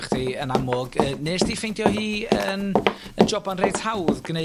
chdi yn amlwg yy 'nes di ffeindio hi yn, yn joban reit hawdd gneu